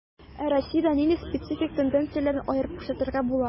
Ә Россиядә нинди специфик тенденцияләрне аерып күрсәтергә була?